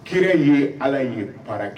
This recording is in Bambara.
Kira nin ye ala ye pa kɛ